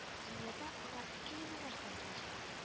– дөньяда аңа ике генә нәрсә хаҗәт: